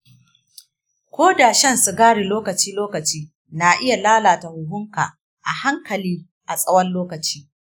ko da shan sigari lokaci-lokaci na iya lalata huhunka a hankali a tsawon lokaci.